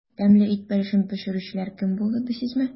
Тәмле ит бәлешен пешерүчеләр кем булды дисезме?